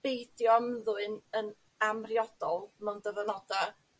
beidio ymddwyn yn amhriodol mewn dyfynoda'.